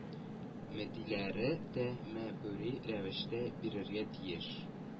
Мөдирләре дә мә бүри рәвештә бирергә тиеш